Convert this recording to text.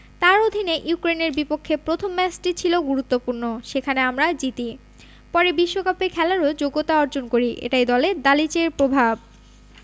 তাঁর অধীনে ইউক্রেনের বিপক্ষে প্রথম ম্যাচটি ছিল গুরুত্বপূর্ণ সেখানে আমরা জিতি পরে বিশ্বকাপে খেলারও যোগ্যতা অর্জন করি এটাই দলে দালিচের প্রভাব